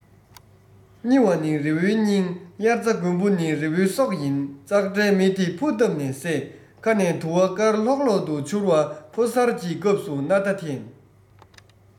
སྙི བ ནི རི བོའི སྙིང དབྱར རྩྭ དགུན འབུ ནི རི བོའི སྲོག ཡིན ཙག སྒྲའི མེ དེར ཕུ བཏབ ནས བསད ཁ ནས དུ བ དཀར ལྷོག ལྷོག ཏུ འཕྱུར བ ཕོ གསར གྱི སྐབས སུ སྣ ཐ འཐེན